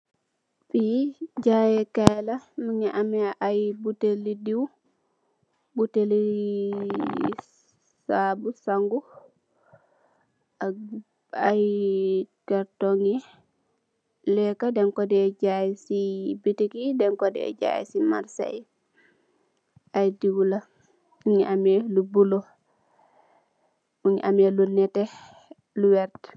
Fi jayeh kai la, mingi ame ay butelli diw, butelli sabu sangu, ak ay kartong ñi leka, denko de jay si bitik yi denko de jay si marcè yi. Ay diw la , mingi ame lu bulo, mingi ame lu nette, lu wert.